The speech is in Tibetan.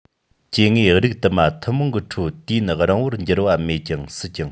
སྐྱེ དངོས རགས དུ མ ཐུན མོང གི ཁྲོད དུས ཡུན རིང པོར འགྱུར བ མེད ཀྱང སྲིད ཀྱང